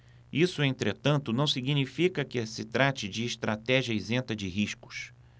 isso entretanto não significa que se trate de estratégia isenta de riscos